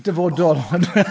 Dyfodol.